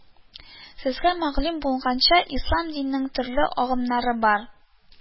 Сезгә мәгълүм булганча, ислам диненең төрле агымнары бар